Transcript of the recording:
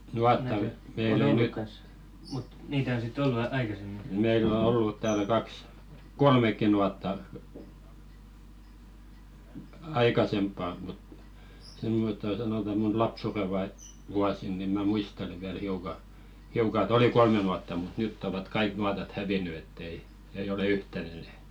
nuotta meillä on nyt meillä on ollut täällä kaksi kolmekin nuottaa aikaisempaan mutta semmottoon sanotaan minun lapsuuden - vuosina niin minä muistelen vielä hiukan hiukan että oli kolme nuottaa mutta nyt ovat kaikki nuotat hävinnyt että ei ei ole yhtään enää että